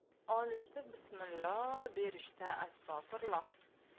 olishda bismillo berishda astag'furillo